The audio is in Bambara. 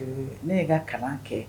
Ne y' ka kalan kɛ